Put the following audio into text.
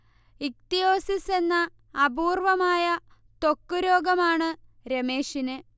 ichthyosis എന്ന അപൂർവമായ ത്വക്ക് രോഗമാണ് രമേഷിന്